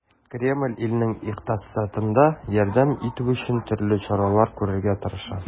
Кремль илнең икътисадына ярдәм итү өчен төрле чаралар күрергә тырыша.